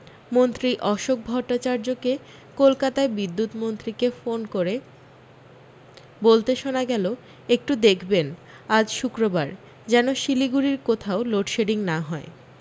মন্ত্রী অশোক ভট্টাচার্যকে কলকাতায় বিদ্যুত মন্ত্রীকে ফোন করে বলতে শোনা গেল একটু দেখবেন আজ শুক্রবার যেন শিলিগুড়ির কোথাও লোডশেডিং না হয়